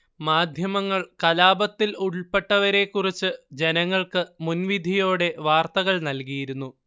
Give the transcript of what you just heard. മാധ്യമങ്ങൾ കലാപത്തിൽ ഉൾപ്പെട്ടവരെക്കുറിച്ച് ജനങ്ങൾക്ക് മുൻവിധിയോടെ വാർത്തകൾ നൽകിയിരുന്നു